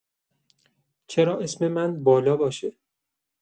چرا اسم من بالا باشه؟